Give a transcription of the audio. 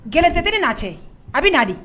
Kɛlɛtɛt naa cɛ a bɛ na di